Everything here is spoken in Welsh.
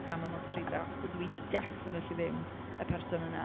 drama mewn tri drafft. Dydw i definitely ddim y person yna.